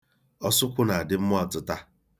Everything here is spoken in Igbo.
Ọsụkwụ na-adị mma ọtịta.